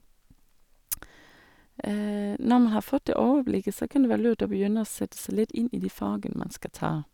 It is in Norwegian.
Når man har fått det overblikket, så kan det være lurt å begynne å sette seg litt inn i de fagene man skal ta.